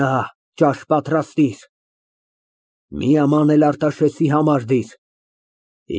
Գնա, ճաշ պատրաստիր։ Մի աման էլ Արտաշեսի համար դիր։